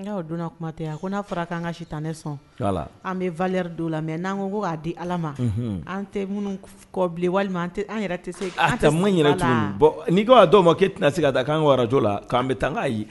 N' donna kuma tɛ yan a ko n'a fɔra k'an ka si tan ne sɔn an bɛ dɔw la mɛ n'an ko k'a di ala ma an tɛ minnu kɔ bilen walima an yɛrɛ tɛ se an tɛ mun yɛrɛ cogo bɔn n'i ka' ma k'i tɛna se ka da'an arajɔ la k'an bɛ taa k'a ye